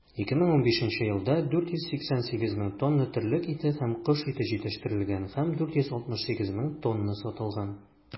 2015 елда 488 мең тонна терлек ите һәм кош ите җитештерелгән һәм 468 мең тонна сатылган.